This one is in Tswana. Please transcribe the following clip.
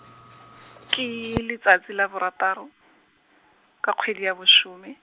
ke letsatsi la borataro, ka kgwedi ya bosome.